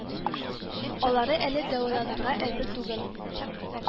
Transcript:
Алары әле дәваланырга әзер түгел